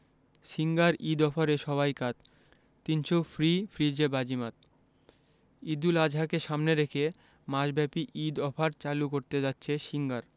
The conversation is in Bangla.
সিঙ্গার ঈদ অফারে সবাই কাত ৩০০ ফ্রি ফ্রিজে বাজিমাত ঈদুল আজহাকে সামনে রেখে মাসব্যাপী ঈদ অফার চালু করতে যাচ্ছে সিঙ্গার